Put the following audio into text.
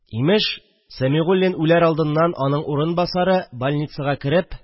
Имеш, Сәмигуллин үләр алдыннан аның урынбасары больницага кереп